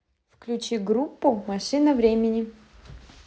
включи группу машина времени